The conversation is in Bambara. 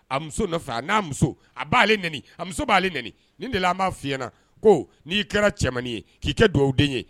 A muso n'a muso a b'ale n a muso b'aale n ni de b'a fiyɲɛna ko n'i kɛra cɛmanmaninin ye k'i kɛ dugawu den ye